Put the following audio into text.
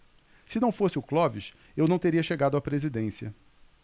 se não fosse o clóvis eu não teria chegado à presidência